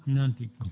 noon tigui